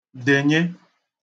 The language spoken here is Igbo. dènye